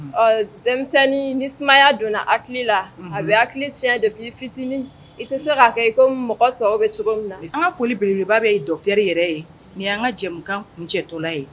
Ɔ denmisɛnnin ni sumayaya donna a hakili la a bɛ hakili cɛ de bi fitinin i tɛ se k' kɛ i ko mɔgɔ tɔ bɛ cogo min na ka folibeleba bɛ ye dɔkɛ yɛrɛ ye nin an ka jɛmu kun cɛtɔla ye